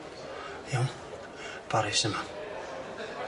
Iawn? Bari sy 'ma.